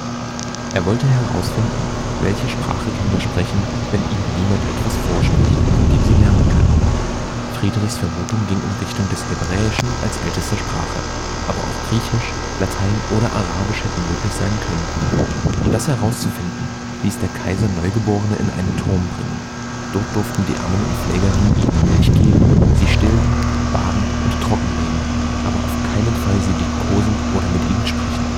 Er wollte herausfinden, welche Sprache Kinder sprechen, wenn ihnen niemand etwa vorspricht, von dem sie lernen können. Friedrichs Vermutung ging in Richtung des Hebräischen als ältester Sprache. Aber auch Griechisch, Latein oder Arabisch hätten möglich sein können. Um das herauszufinden, ließ der Kaiser Neugeborene in einen Turm bringen. Dort durften die Ammen und Pflegerinnen ihnen Milch geben, sie stillen, baden und trockenlegen, aber auf keinen Fall sie liebkosen oder mit ihnen sprechen